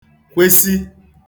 kwesi